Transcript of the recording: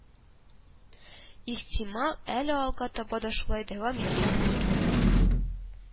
Ихтимал, әле алга таба да шулай дәвам иткән булыр